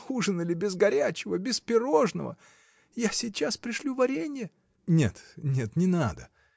ужинали без горячего, без пирожного! Я сейчас пришлю варенья. — Нет, нет, не надо!